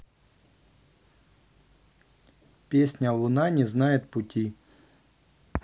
песня луна не знает пути